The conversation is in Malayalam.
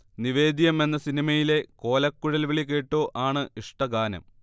നിവേദ്യം എന്ന സിനിമയിലെ കോലക്കുഴൽവിളി കേട്ടോ ആണ് ഇഷ്ടഗാനം